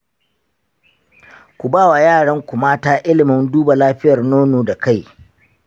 ku bawa yaran ku mata ilimin duba lafiyar nono da kai.